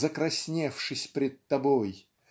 Закрасневшись пред тобой.